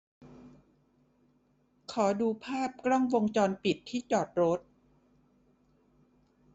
ขอดูภาพกล้องวงจรปิดที่จอดรถ